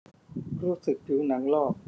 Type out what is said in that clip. รู้สึกผิวหนังลอก